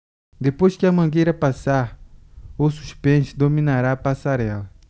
depois que a mangueira passar o suspense dominará a passarela